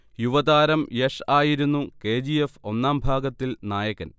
യുവതാരം യഷ് ആയിരുന്നു K. G. F. ഒന്നാം ഭാഗത്തിൽ നായകൻ